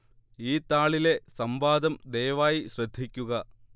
ഈ താളിലെ സംവാദം ദയവായി ശ്രദ്ധിക്കുക